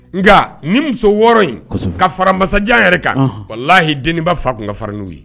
Nka ni muso wɔɔrɔ in ka fara masajan yɛrɛ kan wala lahi deninba fa tun ka fararin n'u ye